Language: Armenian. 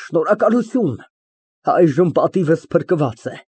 Շնորհակալություն։ Այժմ պատիվս փրկված է։